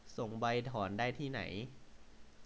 ส่งใบถอนที่ไหน